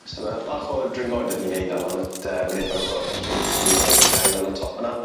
So ma' bach o dringo 'dyn nii neud nawr lan at yy mynedfa'r ogof lle 'dych chi weld gaer lan y top fan 'na.